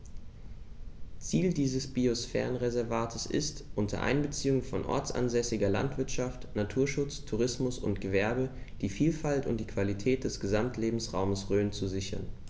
Ziel dieses Biosphärenreservates ist, unter Einbeziehung von ortsansässiger Landwirtschaft, Naturschutz, Tourismus und Gewerbe die Vielfalt und die Qualität des Gesamtlebensraumes Rhön zu sichern.